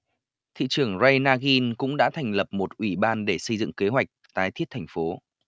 thị trưởng ray nagin cũng đã thành lập một ủy ban để xây dựng kế hoạch tái thiết thành phố